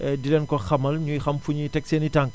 di leen ko xamal ñuy xam fuñuy teg seen i tànk